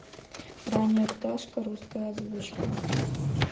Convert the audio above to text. ранняя пташка русская озвучка